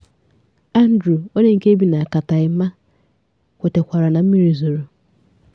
Andrew onye nke bi na Katamyya kwetakwara na mmiri zoro!